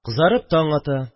Кызарып таң ата